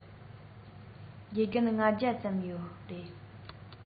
དགེ རྒན ༥༠༠ ཙམ ཡོད རེད